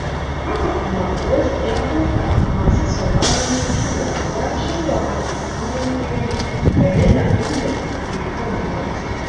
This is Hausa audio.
Haka kuma, West ya koka a masu sauraron cewa ya sha wahala a bayan fage game da abin da ke kan nasa.